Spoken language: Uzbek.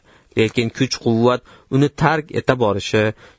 lekin kuch quvvat uni tark eta borishi